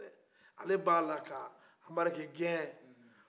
ale bɛ ala ka anbarike gɛn